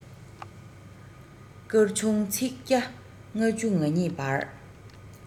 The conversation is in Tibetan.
སྐར ཆུང ཚིག བརྒྱ ལྔ བཅུ ང གཉིས བར